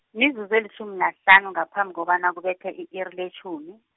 mizuzu elitjhumi nahlanu ngaphambi kobana kubethe i-iri letjhumi.